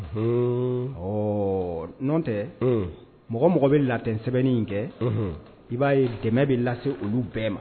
Ɔ nɔ tɛ mɔgɔ mɔgɔ bɛ lat sɛbɛnni in kɛ i b'a ye dɛmɛ bɛ lase olu bɛɛ ma